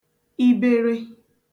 ibere